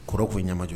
K k'o ɲamamajɔ